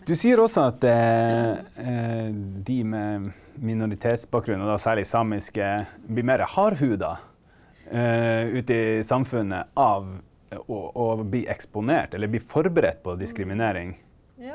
du sier også at de med minoritetsbakgrunn, og da særlig samiske, blir mere hardhuda ute i samfunnet av å å bli eksponert eller bli forberedt på diskriminering.